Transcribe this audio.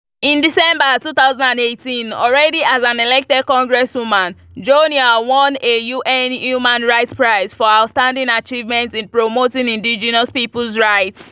In December 2018, already as an elected congresswoman, Joenia won a UN human rights prize for her outstanding achievement in promoting indigenous peoples’ rights.